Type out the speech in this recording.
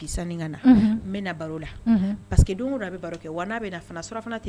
Pa